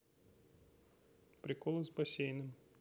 приколы с бассейном